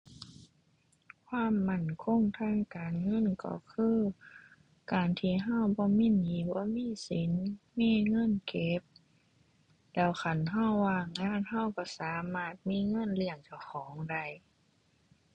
ความมั่นคงทางการเงินก็คือ การที่เราบ่มีหนี้บ่มีสิน มีเงินเก็บ แล้วคันเราว่างงาน เราเราสามารถมีเงินเลี้ยงเจ้าของได้